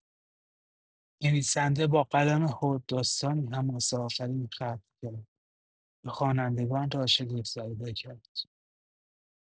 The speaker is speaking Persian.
نویسنده با قلم خود داستانی حماسه‌آفرین خلق کرد که خوانندگان را شگفت‌زده کرد.